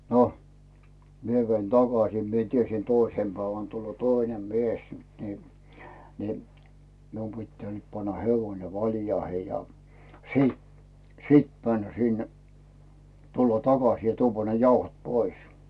no minä vein takaisin minä tiesin toisena päivänä tulee toinen mies niin niin minun pitää nyt panna hevonen valjaihin ja sitten sitten mennä sinne tulla takaisin ja tuoda ne jauhot pois